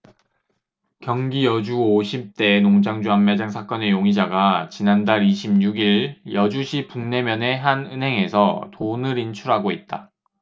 경기 여주 오십 대 농장주 암매장 사건의 용의자가 지난달 이십 육 일 여주시 북내면의 한 은행에서 돈을 인출하고 있다